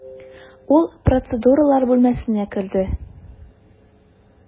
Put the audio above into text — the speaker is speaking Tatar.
Ул процедуралар бүлмәсенә керде.